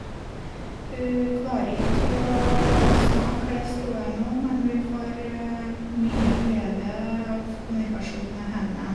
Hun klarer itj å snakke eller stå ennå, men vi får mye glede av kommunikasjonen med henne.